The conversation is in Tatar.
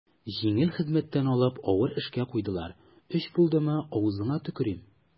Җиңел хезмәттән алып авыр эшкә куйдылар, өч булдымы, авызыңа төкерим.